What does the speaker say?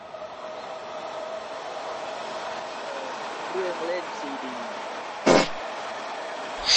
เปิดเครื่องเล่นซีดี